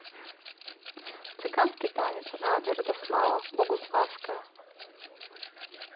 цыганский танец рада радослава богуславская